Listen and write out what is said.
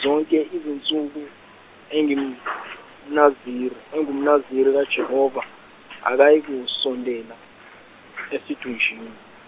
zonke izinsuku engumNaziri enguMnaziri kaJehova akayikusondela esidunjini.